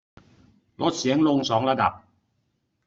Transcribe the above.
ลดเสียงลงสองระดับ